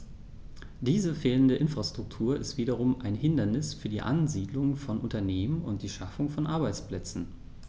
Diese fehlende Infrastruktur ist wiederum ein Hindernis für die Ansiedlung von Unternehmen und die Schaffung von Arbeitsplätzen.